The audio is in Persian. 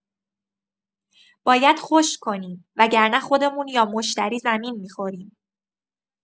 باید خشک کنیم وگرنه خودمون یا مشتری زمین می‌خوریم.